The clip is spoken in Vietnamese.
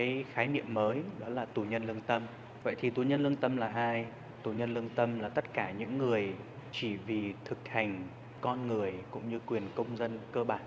cái khái niệm mới đó là tù nhân lương tâm vậy thì tù nhân lương tâm là ai tù nhân lương tâm là tất cả những người chỉ vì thực hành con người cũng như quyền công dân cơ bản